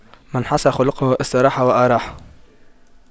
من حسن خُلُقُه استراح وأراح